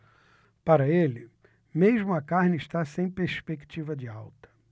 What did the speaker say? para ele mesmo a carne está sem perspectiva de alta